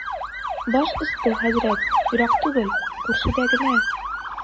Баш өсте, хәзрәт, ерак түгел, күршедә генә.